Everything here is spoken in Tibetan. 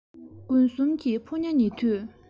དགུན གསུམ གྱི ཕོ ཉ ཉེ དུས